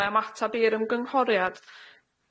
Mae ymatab i'r ymgynghoriad-